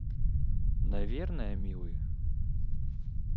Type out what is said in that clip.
наверное милый